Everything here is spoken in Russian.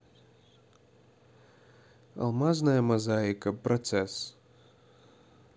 алмазная мозаика процесс